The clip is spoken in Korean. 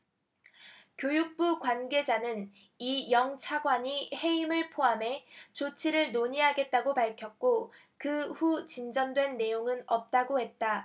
교육부 관계자는 이영 차관이 해임을 포함해 조치를 논의하겠다고 밝혔고 그 후 진전된 내용은 없다고 했다